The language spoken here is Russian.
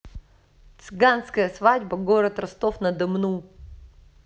цыганская свадьба город ростов на дону